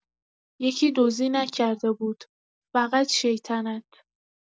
یکی دزدی نکرده بود، فقط شیطنت.